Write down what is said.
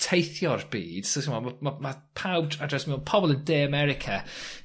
teithio'r byd so t'mod ma' ma' ma' pawb dr- ar draws ma' pobol yn De America